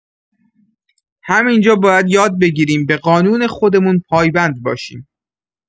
همین‌جا باید یاد بگیریم به قانون خودمون پایبند باشیم.